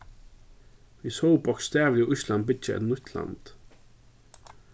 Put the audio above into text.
vit sóu bókstavliga ísland byggja nýtt land